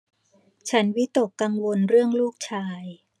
ฉันวิตกกังวลเรื่องลูกชาย